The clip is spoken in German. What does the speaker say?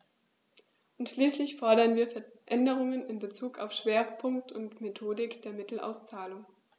Und schließlich fordern wir Veränderungen in bezug auf Schwerpunkt und Methodik der Mittelauszahlung.